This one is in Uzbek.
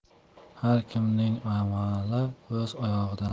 har kimning amali o'z oyog'idan